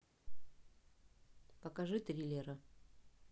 покажи триллеры